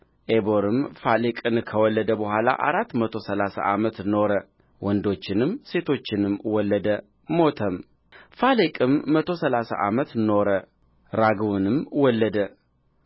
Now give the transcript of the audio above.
ዔቦርም ፋሌቅን ከወለደ በኋላ አራት መቶ ሠላሳ ዓመት ኖረ ወንዶችንም ሴቶችንም ወለደ ሞተም ፋሌቅም መቶ ሠላሳ ዓመት ኖረ ራግውንም ወለደ